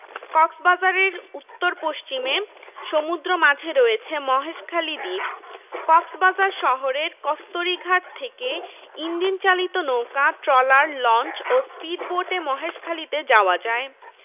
কক্সবাজারের উত্তর পশ্চিমে সমুদ্র মাঝে রয়েছে মহেশখালী দ্বীপ কক্সবাজার শহরের কস্তরীঘাট থেকে ইঞ্জিনচালিত নৌকা ট্রলার লঞ্চ ও স্পিড বোটে মহেশখালীতে যাওয়া যায়